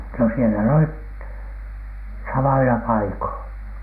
no siellä ne olivat samoilla paikoin